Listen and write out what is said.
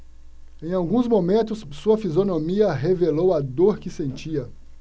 em alguns momentos sua fisionomia revelou a dor que sentia